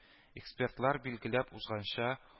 Экспертлар билгеләп узганча